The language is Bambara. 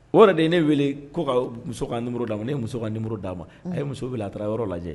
O yɛrɛ de ye ne weele ko ka musok kan'a ma ne musokkan d'a ma a ye muso bila a taara yɔrɔ lajɛ